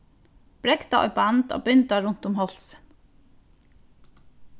bregda eitt band at binda runt um hálsin